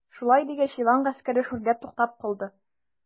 Шулай дигәч, елан гаскәре шүрләп туктап калды.